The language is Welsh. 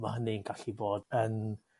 ma' hynny'n gallu bod yn